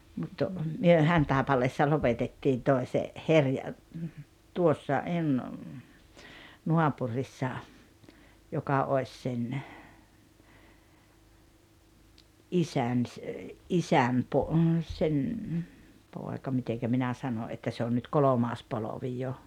mutta me Hantaipaleessa lopetettiin toisen herja tuossa - naapurissa joka olisi sen isän - isän - sen poika miten minä sanoin että se on nyt kolmas polvi jo